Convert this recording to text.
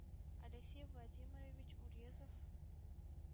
Алексей Владимирович Урезов